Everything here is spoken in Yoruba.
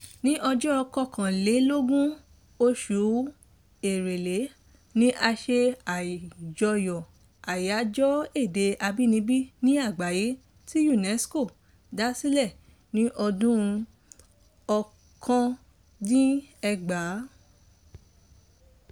Ní ọjọ́ 21 oṣù Èrèlé ni a ṣe àjọyọ̀ Àyájọ́ Èdè Abínibí ní Àgbáyé, tí UNESCO dá sílẹ̀ ní ọdún 1999.